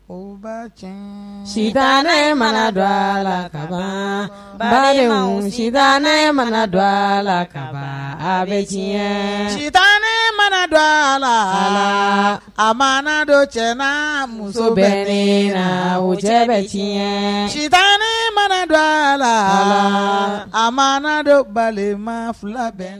Ko ba cɛ sita ne mana dɔ a la kama ba si ne mana dɔ a la ka bɛ sita ne mana dɔ a la a ma dɔ cɛ muso bɛ la o cɛ bɛ sita ne mana dɔ a la a ma dɔ balima fila bɛ la